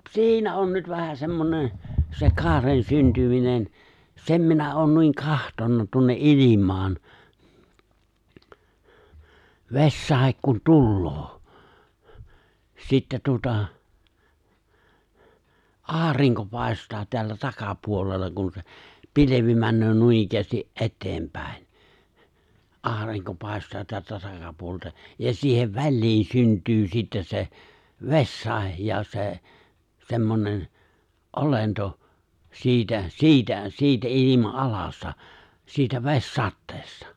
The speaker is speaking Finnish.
- siinä on nyt vähän semmoinen se kaaren syntyminen sen minä olen noin katsonut tuonne ilmaan vesisade kun tulee sitten tuota aurinko paistaa täällä takapuolella kun se pilvi menee noinikään eteenpäin aurinko paistaa täältä takapuolelta ja siihen väliin syntyy sitten se vesisade ja se semmoinen olento siitä siitä siitä ilmanalasta siitä vesisateesta